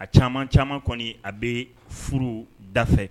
A caman caman kɔni a bɛ furu da fɛ